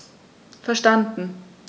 Verstanden.